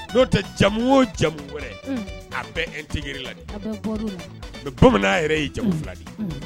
No tɛ jamu o jamu wɛrɛ, a bɛɛ intégré la de . Mais bamanan yɛrɛ ye jamu fila de ye.